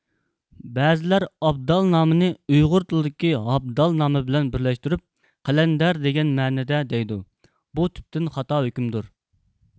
بەزىلەر ئابدال نامىنى ئۇيغۇر تىلىدىكى ھابدال نامى بىلەن بىرلەشتۈرۈپ قەلەندەر دېگەن مەنىدە دەيدۇ بۇ تۈپتىن خاتا ھۆكۈمدۇر